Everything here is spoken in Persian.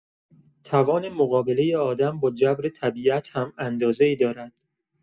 توان مقابله آدم با جبر طبیعت هم اندازه‌ای دارد.